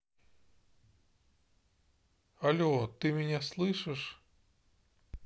але ты меня слышишь